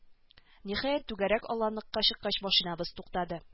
Ниһаять түгәрәк аланлыкка чыккач машинабыз туктады